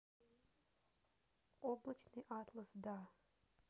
облачный атлас да